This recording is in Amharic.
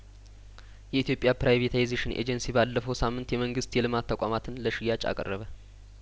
የኢትዮጵያ ፕራይቬታይዜሽን ኤጀንሲ ባለፈው ሳምንት የመንግስት የልማት ተቋማትን ለሽያጭ አቀረ በ